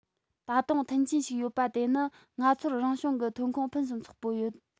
ད དུང མཐུན རྐྱེན ཞིག ཡོད པ དེ ནི ང ཚོར རང བྱུང གི ཐོན ཁུངས ཕུན སུམ ཚོགས པོ ཡོད